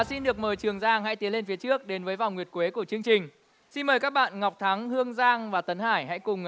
xin được mời trường giang hãy tiến lên phía trước đến với vòng nguyệt quế của chương trình xin mời các bạn ngọc thắng hương giang và tấn hải hãy cùng